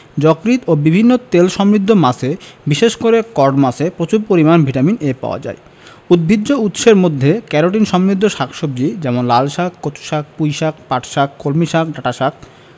যকৃৎ ও বিভিন্ন তেলসমৃদ্ধ মাছে বিশেষ করে কড মাছে প্রচুর পরিমান ভিটামিন A পাওয়া যায় উদ্ভিজ্জ উৎসের মধ্যে ক্যারোটিন সমৃদ্ধ শাক সবজি যেমন লালশাক কচুশাক পুঁইশাক পাটশাক কলমিশাক ডাঁটাশাক